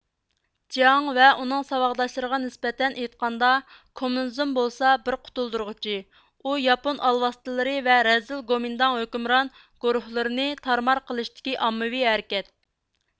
جياڭ ۋە ئۇنىڭ ساۋاقداشلىرىغا نىسبەتەن ئېيتقاندا كومۇنىزم بولسا بىر قۇتۇلدۇرغۇچى ئۇ ياپۇن ئالۋاستىلىرى ۋە رەزىل گومىنداڭ ھۆكۈمران گورۇھلىرىنى تارمار قىلىشتىكى ئاممىۋى ھەرىكەت